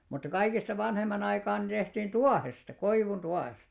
mutta kaikista vanhemman aikaan ne tehtiin tuohesta koivun tuohesta